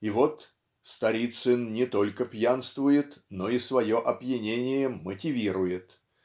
И вот Сторицын не только пьянствует, но и свое опьянение мотивирует